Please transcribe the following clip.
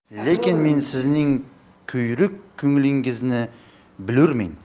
lekin men sizning kuyrak ko'nglingizni bilurmen